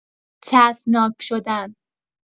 چسبناک شدن